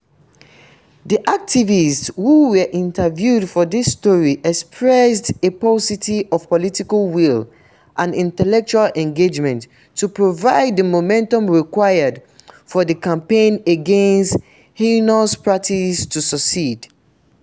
The activists who were interviewed for this story expressed a paucity of political will and intellectual engagement to provide the momentum required for the campaign against the heinous practice to succeed.